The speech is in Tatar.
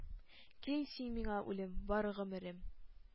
Кил син миңа, үлем, бары гомрем